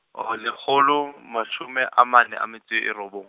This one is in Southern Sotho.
ho lekgolo, mashome a mane a metso e robong.